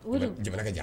Jamana ka jan